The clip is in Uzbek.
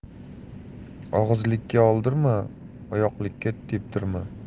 og'izlikka oldirma oyoqlikka teptirma